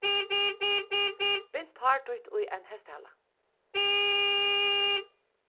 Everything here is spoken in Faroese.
bint hár títt í ein hestahala